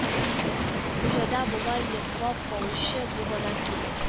Хуҗада болай йоклап калучы бу гына түгел